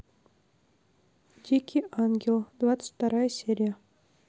дикий ангел двадцать вторая серия